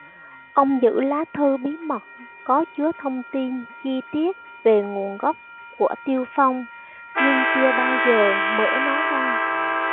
ông giữ lá thư bí mật có chứa thông tin chi tiết về nguồn gốc của tiêu phong nhưng chưa bao giờ mở nó ra